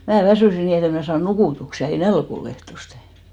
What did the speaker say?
minä väsyin niin että en minä saanut nukutuksi ja ei nälkä ollut ehtoosti